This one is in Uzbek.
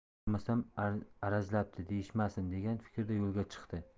bormasam arazlabdi deyishmasin degan fikrda yo'lga chiqdi